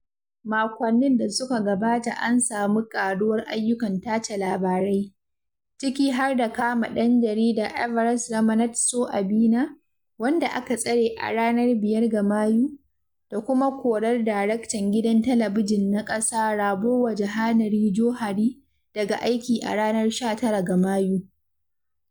Makonnin da suka gabata an samu ƙaruwar ayyukan tace labarai, ciki har da kama ɗan jarida Evariste Ramanatsoavina, wanda aka tsare a ranar 5 ga Mayu, da kuma korar daraktan gidan Talabijin na Ƙasa Ravoajanahary Johary, daga aiki a ranar 19 ga Mayu.